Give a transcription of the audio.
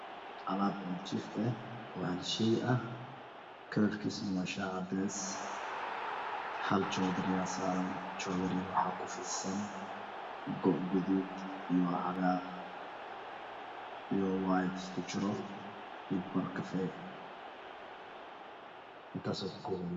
Alaab oo jif ah oo hal shey ah hal jodari ayaa saran waxaa ku fidsan go gaduud iyo cagar iyo cadan iyo maro kafey ah